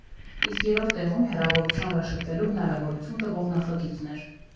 Իսկ երրորդ տեղում հեռավորության վրա շփվելու հնարավորություն տվող նախագիծն էր.